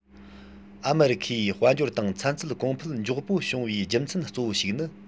ཨ མེ རི ཁའི དཔལ འབྱོར དང ཚན རྩལ གོང འཕེལ མགྱོགས པོ བྱུང བའི རྒྱུ མཚན གཙོ བོ ཞིག ནི